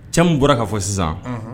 Cɛ min bɔra k'a fɔ sisan